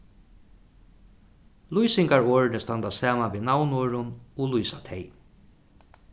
lýsingarorðini standa saman við navnorðum og lýsa tey